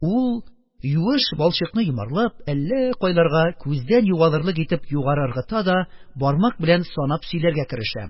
Ул, юеш балчыкны йомарлап, әллә кайларга, күздән югалырлык итеп югары ыргыта да бармак белән санап сөйләргә керешә: